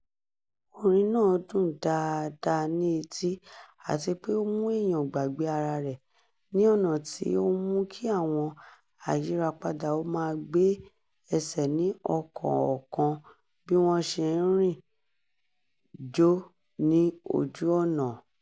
Orin náà dún dáadáa ní etí àti pé ó mú èèyàn gbàgbé ara rẹ̀, ní ọ̀nà tí ó ń mú kí àwọn ayírapadà ó máa gbé ẹsẹ̀ ní ọ̀kọ̀ọ̀kan bí wọ́n ṣe ń rìn/jó ní ojú ọ̀nà.